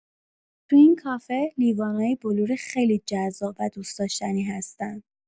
تو این کافه، لیوانای بلوری خیلی جذاب و دوست‌داشتنی هستن.